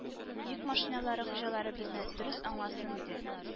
Йөк машиналары хуҗалары безне дөрес аңласын иде